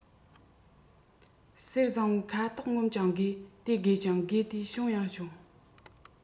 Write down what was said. གསེར བཟང པོའི ཁ དོག ངོམས ཀྱང དགོས དེ དགོས ཀྱང དགོས ཏེ བྱུང ཡང བྱུང